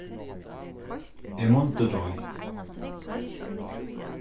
eg mundi doyð